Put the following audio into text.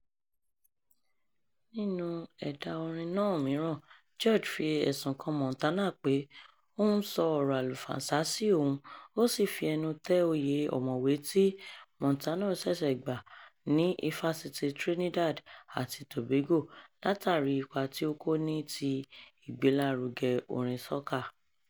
Nínú ẹ̀dà orin náà mìíràn , George fi ẹ̀sùn kan Montana pé ó ń "sọ ọ̀rọ̀ àlùfànṣá" sí òun, ó sì fi ẹnu tẹ́ oyè ọ̀mọ̀wé tí Montano ṣẹ̀ṣẹ̀ gbà ní Ifásitì Trinidad àti Tobago látàrí ipa tí ó kó ní ti ìgbélárugẹ orin soca.